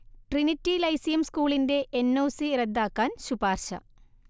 Trinity Lyceum സ്കൂളിന്റെ NOC റദ്ദാക്കാൻ ശുപാർശ